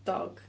Dog?